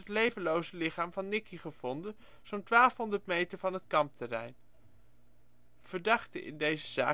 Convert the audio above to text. levenloze lichaam van Nicky gevonden, zo 'n 1200 meter van het kampterrein. Verdachte in deze